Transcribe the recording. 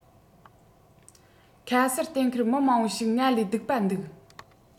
ཁ གསལ གཏན འཁེལ མི མང པོ ཞིག ང ལས སྡུག པ འདུག